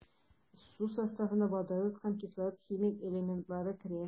Су составына водород һәм кислород химик элементлары керә.